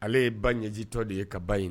Ale ye ba ɲɛjitɔ de ye ka ba